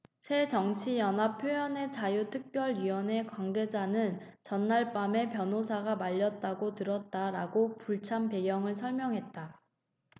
새정치연합 표현의자유특별위원회 관계자는 전날 밤에 변호사가 말렸다고 들었다라고 불참 배경을 설명했다